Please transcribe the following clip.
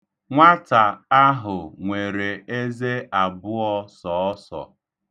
Nwata ahụ nwere eze abụọ sọọsọ.